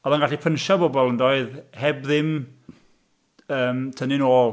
Oedd o'n gallu pynsio pobl yn doedd, heb ddim yym tynnu nôl.